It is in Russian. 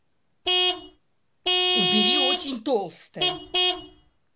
убери очень толстая